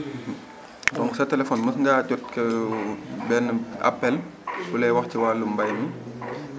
donc sa téléphone mos ngaa jot benn appel bu lay wax ci wàllum mbay mi